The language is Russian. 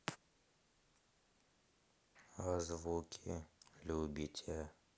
а звуки любите